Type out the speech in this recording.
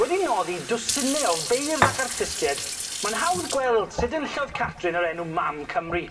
Wedi noddi dwsinne o feirdd ac artistied, ma'n hawdd gweld sud enillodd Catrin yr enw Mam Cymru.